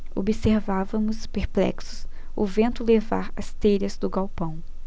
observávamos perplexos o vento levar as telhas do galpão